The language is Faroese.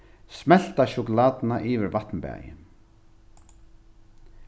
smelta sjokulátuna yvir vatnbaði